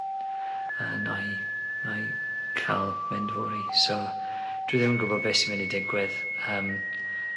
yno i 'no i ca'l mynd fory so dwi ddim yn gwbod be' sy mynd i digwydd yym